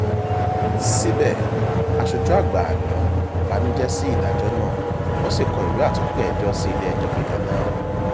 Síbẹ̀, aṣojú àgbà àná banújẹ́ sí ìdájọ́ náà ó sì kọ ìwé àtúnpè-ẹjọ́ sí Ilé-ẹjọ́ Gíga náà: